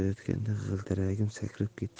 o'tayotganda g'ildiragim sakrab ketdi